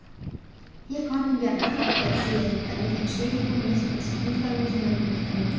Hier konnten wir einen Erfolg erzielen, damit Entschädigungen nicht ins Uferlose münden können.